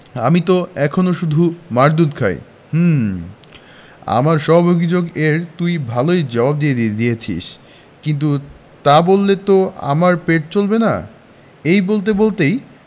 আমি ত এখনো শুধু মার দুধ খাই হুম আমার সব অভিযোগ এর তুই ভালই জবাব দিয়ে দিয়েছিস কিন্তু তা বললে তো আর আমার পেট চলবে না এই বলতে বলতেই